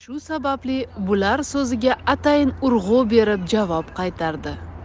shu sababli bular so'ziga atayin urg'u berib javob qaytardi